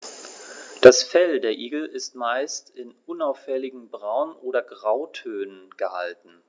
Das Fell der Igel ist meist in unauffälligen Braun- oder Grautönen gehalten.